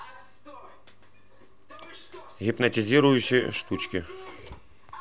гипнотизирующие штучки